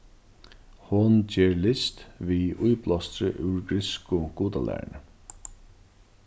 hon ger list við íblástri úr griksku gudalæruni